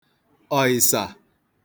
ọ̀ị̀sà